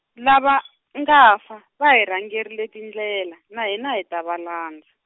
lava, nga fa, va hi rhangerile tindlela na hina hi ta va landza.